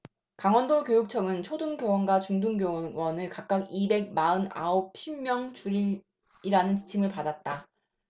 강원도교육청은 초등교원과 중등교원을 각각 이백 마흔 아홉 명 쉰 명 줄이라는 지침을 받았다